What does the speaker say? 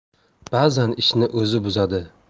ba'zan ishni o'zi buzadi